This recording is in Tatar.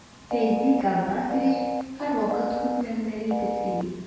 Фәйзи Габбасович һәрвакыт күп мәгънәле итеп сөйли.